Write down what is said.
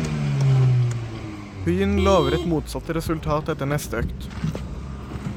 Huynh lover et motsatt resultat etter neste økt.